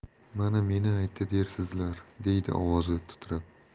mana meni aytdi dersizlar deydi ovozi titrab